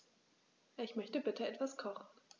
Ich möchte bitte etwas kochen.